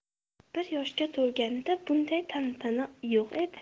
bir yoshga to'lganida bunday tantana yo'q edi